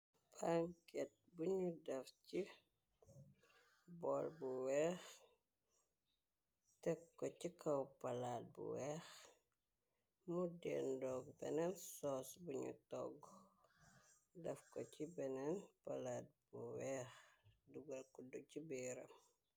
Pangket bun def yi ball bu weeh, tek ko ci kaw palaat bu weeh. Mu den ndug benen sous bun ñi toogg def ko ci benen palaat bu weeh dugal kudo ci biiram.